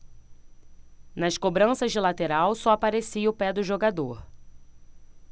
nas cobranças de lateral só aparecia o pé do jogador